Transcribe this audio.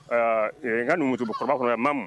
Ɛɛ n ka numukɔrɔba fana bɛ yan Mamu.